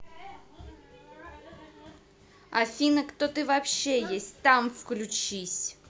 афина кто ты вообще есть там включись